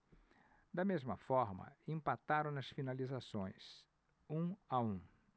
da mesma forma empataram nas finalizações um a um